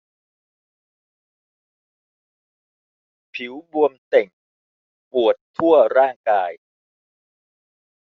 ผิวบวมเต่งปวดทั่วร่างกาย